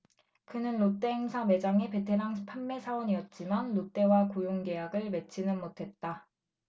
그는 롯데 행사매장의 베테랑 판매사원이었지만 롯데와 고용계약을 맺지는 못했다